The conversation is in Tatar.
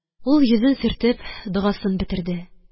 Ул, йөзен сөртеп, догасын бетерде.